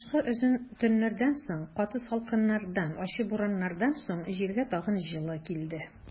Кышкы озын төннәрдән соң, каты салкыннардан, ачы бураннардан соң җиргә тагын җылы килде.